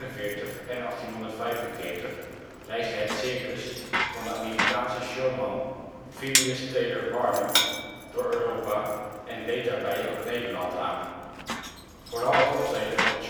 1844 en 1845 reisde het circus van de Amerikaanse showman Phineas Taylor Barnum door Europa en deed daarbij ook Nederland aan. Vooral het optreden van